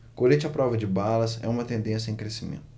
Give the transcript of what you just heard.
colete à prova de balas é uma tendência em crescimento